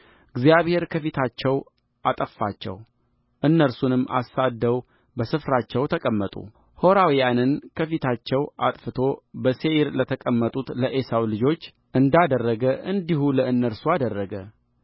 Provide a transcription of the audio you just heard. እግዚአብሔር ከፊታቸው አጠፋቸው እነርሱንም አሳድደው በስፍራቸው ተቀመጡሖራውያንን ከፊታቸው አጥፍቶ በሴይር ለተቀመጡት ለዔሳው ልጆች እንዳደረገ እንዲሁ ለእነርሱ አደረገ